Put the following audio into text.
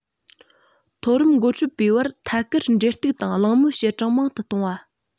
མཐོ རིམ འགོ ཁྲིད པའི བར ཐད ཀར འབྲེལ གཏུག དང གླེང མོལ བྱེད གྲངས མང དུ གཏོང བ